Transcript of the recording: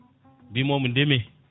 mbimo ndeeme